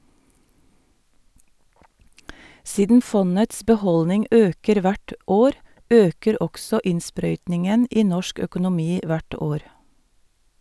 Siden fondets beholdning øker hvert år, øker også innsprøytningen i norsk økonomi hvert år.